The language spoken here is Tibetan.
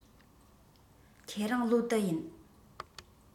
ཁྱེད རང ལོ དུ ཡིན